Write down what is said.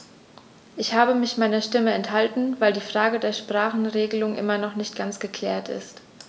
Ich habe mich meiner Stimme enthalten, weil die Frage der Sprachenregelung immer noch nicht ganz geklärt ist.